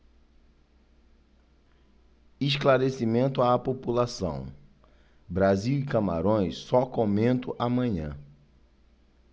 esclarecimento à população brasil e camarões só comento amanhã